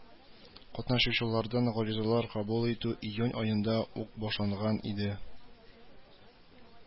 Катнашучылардан гаризалар кабул итү июнь аенда ук башланган иде